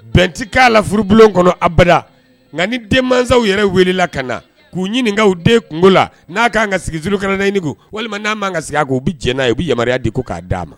Bɛnti k'a la furubulon kɔnɔ abada nka ni denmansaw yɛrɛ welela ka na k'u ɲinika u den kuŋo la n'a kaan ka sigi Zulukalanayini kun walima n'a maan ka sig'a kun u bi jɛn'a ye u bi yamaruya di ko k'a d'a ma